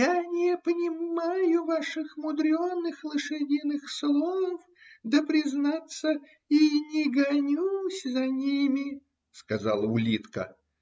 – Я не понимаю ваших мудреных лошадиных слов, да, признаться, и не гонюсь за ними, – сказала улитка.